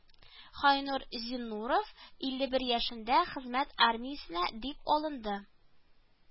Ха инур Зинуров илле бер яшендә хезмәт армиясенә дип алынды